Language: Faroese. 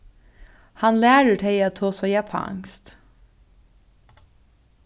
hann lærir tey at tosa japanskt